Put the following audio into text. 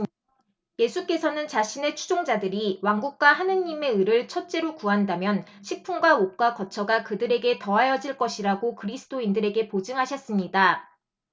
예수께서는 자신의 추종자들이 왕국과 하느님의 의를 첫째로 구한다면 식품과 옷과 거처가 그들에게 더하여질 것이라고 그리스도인들에게 보증하셨습니다